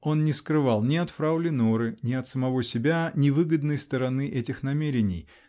Он не скрывал ни от фрау Леноры, ни от самого себя невыгодной стороны этих намерений